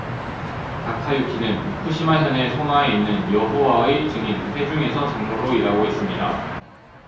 다카유키는 후쿠시마 현의 소마에 있는 여호와의 증인 회중에서 장로로 일하고 있습니다